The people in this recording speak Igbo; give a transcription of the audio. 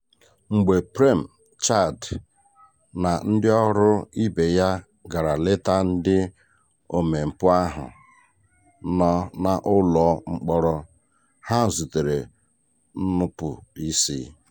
Mgbe Prem Chand na ndị ọrụ ibe ya gara leta ndị omempụ ahụ nọ n'ụlọ mkpọrọ, ha zutere nupụ isi: